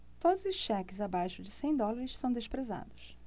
todos os cheques abaixo de cem dólares são desprezados